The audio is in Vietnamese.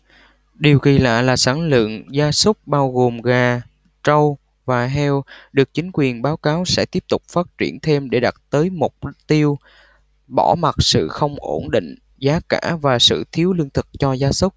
điều kì lạ là sản lượng gia súc bao gồm gà trâu và heo được chính quyền báo cáo sẽ tiếp tục phát triển thêm để đạt tới mục tiêu bỏ mặc sự không ổn định giá cả và sự thiếu lương thực cho gia súc